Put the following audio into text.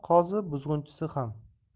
qozi buzg'unchisi ham